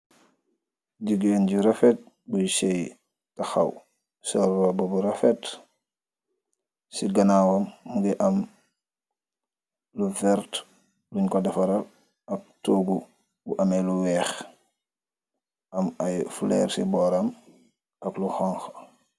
Gigain ju rafet juiiy seyyy takhaw, sol robah bu rafet, ci ganawam mungy am lu vert lungh kor defarral ak tohgu bu ameh lu wekh, am aiiy fleur ci bohram ak lu honha.